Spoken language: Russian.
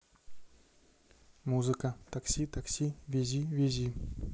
музыка такси такси вези вези